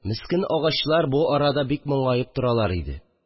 Мескен агачлар бу арада бик моңаеп торалар иде.